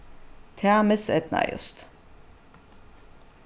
tað miseydnaðist